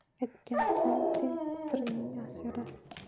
aytgan so'ng sen sirning asiri